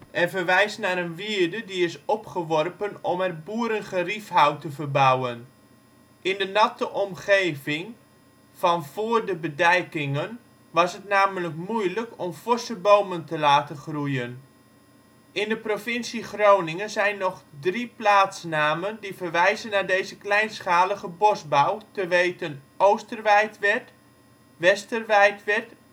en verwijst naar een wierde die is opgeworpen om er boerengeriefhout te verbouwen. In de natte omgeving van voor de bedijkingen was het namelijk moeilijk om forse bomen te laten groeien. In de provincie Groningen zijn nog drie plaatsnamen die verwijzen naar deze kleinschalige bosbouw, te weten: Oosterwijtwerd, Westerwijtwerd